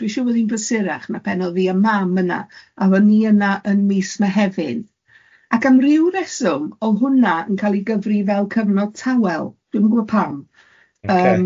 Dwi'n siŵr bod hi'n brysurach na pen odd i a mam yna, a o'n i yna yn mis Mehefin ac am ryw reswm, oedd hwnna yn cael ei gyfri fel cyfnod tawel. Dwi'm yn gwybo pam. Ocê.